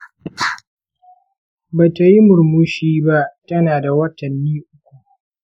ba ta yi murmushi ba tana ɗan watanni uku.